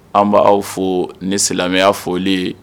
An b'a aw foo ni silamɛya foli ye